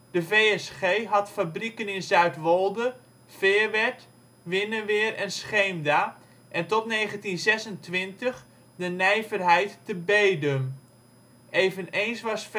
De V.S.G had fabrieken in Zuidwolde, Feerwerd, Winneweer en Scheemda en tot 1926 de Nijverheid te Bedum. Eveneens was